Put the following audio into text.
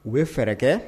U bɛ fɛ kɛ